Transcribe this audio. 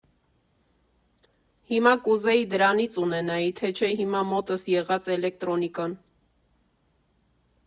Հիմա կուզեի դրանից ունենայի, թե չէ հիմա մոտս եղած «Էլեկտրոնիկան»։